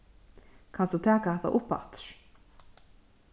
kanst tú taka hatta uppaftur